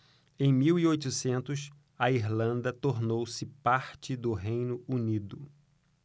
em mil e oitocentos a irlanda tornou-se parte do reino unido